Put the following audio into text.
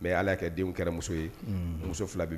Mais alah kɛ denw kɛra muso ye muso fila bɛ